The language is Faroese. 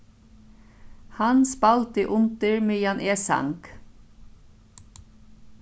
hann spældi undir meðan eg sang